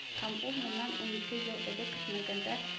Һәм ул моннан унике ел элек көтмәгәндә